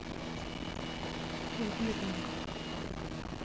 уйди от меня